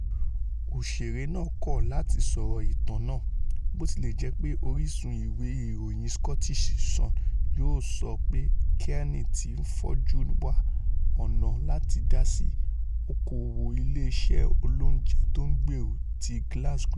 Òṣèré náà kọ láti sọ̀rọ̀ ìtàn náà, botilẹjẹpe orísun ìwé ìròyìn Scottish Sun yọ́ ọ sọ pé Kiernan tí ńfojú wá ọ̀nà láti dásí ''oko-òwò ilé iṣẹ́ olóúnjẹ tó ńgbèrú'' ti Glasgow.